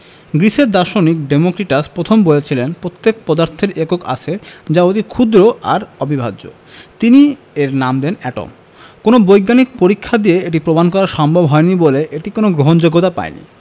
গ্রিসের দার্শনিক ডেমোক্রিটাস প্রথম বলেছিলেন প্রত্যেক পদার্থের একক আছে যা অতি ক্ষুদ্র আর অবিভাজ্য তিনি এর নাম দেন এটম কোনো বৈজ্ঞানিক পরীক্ষা দিয়ে এটি প্রমাণ করা সম্ভব হয়নি বলে এটি কোনো গ্রহণযোগ্যতা পায়নি